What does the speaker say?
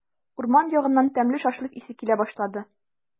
Урман ягыннан тәмле шашлык исе килә башлады.